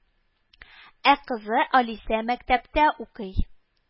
Ә кызы Алиса мәктәптә укый